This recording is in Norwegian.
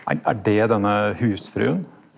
er er det denne husfrua?